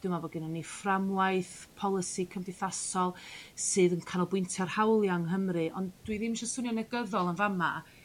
dwi meddwl bo' gynnon ni fframwaith polisi cymdeithasol sydd yn canolbwyntio ar hawlia yng Nghymru ond dwi ddim isio swnio'n negyddol yn fan 'ma